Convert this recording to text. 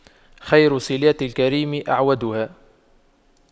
خير صِلاتِ الكريم أَعْوَدُها